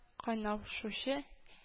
Кайнаушучы